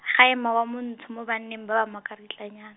ga ema wa Montsho mo banneng ba ba makiritlanyana.